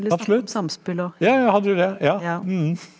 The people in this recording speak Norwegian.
absolutt ja ja jeg hadde jo det ja ja.